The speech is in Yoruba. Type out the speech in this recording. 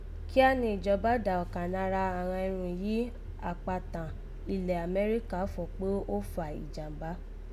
Kíá ìjọbá dà ọ̀kàn nara àghan irun yìí akpàtàn ilẹ̀ Amẹ́ríkà fọ̀ kpé ó fà ìjàm̀bá